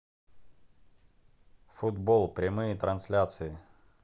футбол прямые трансляции